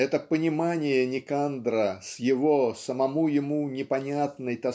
это понимание Никандра с его самому ему непонятной